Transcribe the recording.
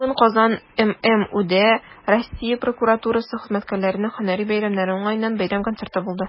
Бүген "Казан" ММҮдә Россия прокуратурасы хезмәткәрләренең һөнәри бәйрәмнәре уңаеннан бәйрәм концерты булды.